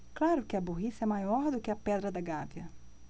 claro que a burrice é maior do que a pedra da gávea